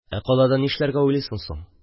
– ә калада нишләргә уйлыйсың соң?